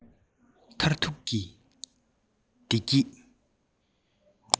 མཐར ཐུག གི བདེ སྐྱིད